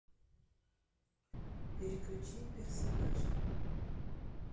переключи персонажа